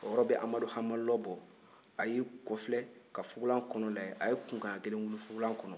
o yɔrɔ bɛɛ amadu hama lɔbɔ a y'i kɔ filɛ ka fugula kɔnɔ lajɛ a ye kunkan ɲɛ kelen wuli fugula kɔnɔ